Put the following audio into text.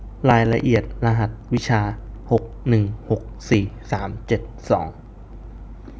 รายละเอียดรหัสวิชาหกหนึ่งหกสี่สามเจ็ดสอง